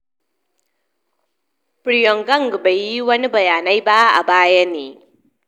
Pyongyang bai yi wani bayani ba a baya ne.